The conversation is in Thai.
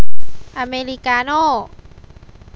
อเมริกาโน่